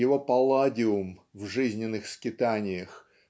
его палладиум в жизненных скитаниях